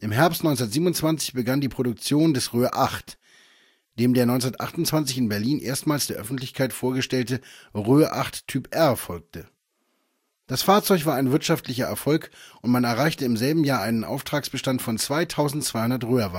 Herbst 1927 begann die Produktion des Röhr 8, dem der 1928 in Berlin erstmals der Öffentlichkeit vorgestellte Röhr 8 Typ R folgte. Das Fahrzeug war ein wirtschaftlicher Erfolg und man erreichte im selben Jahr einen Auftragsbestand von 2.200 Röhr-Wagen